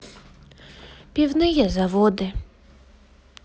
пивные заводы